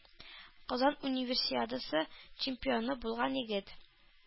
Казан Универсиадасы чемпионы булган егет!